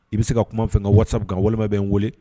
I bɛ se ka kuma fɛ ka waasa kan walima bɛ n weele